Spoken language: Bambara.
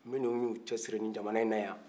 minnu yu cɛ siri ni jamanayin na yan